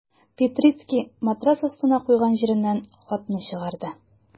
Петрицкий матрац астына куйган җирәннән хатны чыгарды.